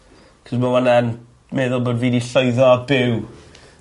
'c'os ma' wnna'n meddwl bo fi 'di llwyddo byw.